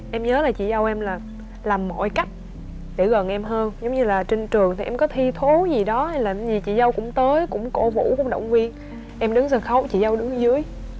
em nhớ là chị dâu em là làm mọi cách để gần em hơn giống như là trên trường thì em có thi thố gì đó hay làm gì chị dâu cũng tối cũng cổ vũ cũng động viên em đứng sân khấu chị dâu đứng dưới